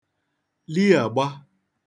liàgba